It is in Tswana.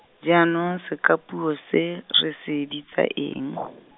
jaanong sekapuo se, re se bitsa eng?